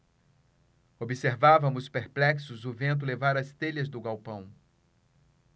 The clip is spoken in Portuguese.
observávamos perplexos o vento levar as telhas do galpão